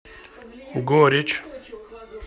горечь